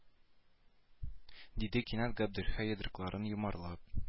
Диде кинәт габделхәй йодрыкларын йомарлап